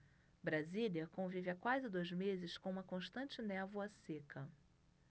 brasília convive há quase dois meses com uma constante névoa seca